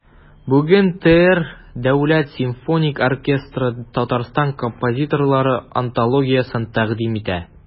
Бүген ТР Дәүләт симфоник оркестры Татарстан композиторлары антологиясен тәкъдим итә.